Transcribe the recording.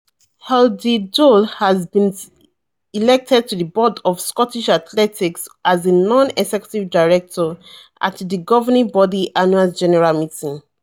Doyle is Scotland's most decorated track and field athlete and chairman Ian Beattie described the move as a great opportunity for those guiding the sport to benefit from her wide-ranging experience at international level over the past decade.